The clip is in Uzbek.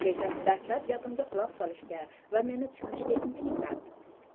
lekin dastlab gapimga quloq solishga va meni tushunishga intilinglar